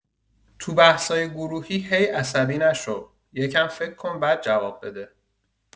تو بحثای گروهی هی عصبی نشو، یه کم فکر کن بعد جواب بده.